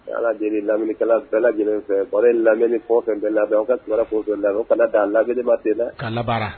Bɛ Ala deli lamɛnikɛla bɛɛ lajɛlen fɛ baro in lamɛni fɛn o fɛn bɛ n lamɛ aw ka kibaruya fɛn o fɛn lamɛ u kana d'an a lamɛni ma ten dɛ k'a labaara